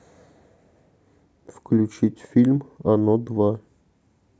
включить фильм оно два